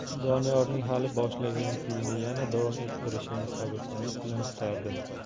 doniyorning hali boshlagan kuyini yana davom ettirishini sabrsizlik bilan kutardim